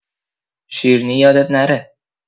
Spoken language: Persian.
شیرینی یادت نره